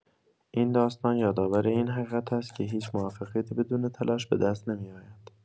این داستان، یادآور این حقیقت است که هیچ موفقیتی بدون تلاش به دست نمی‌آید.